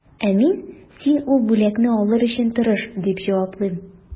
Ә мин, син ул бүләкне алыр өчен тырыш, дип җаваплыйм.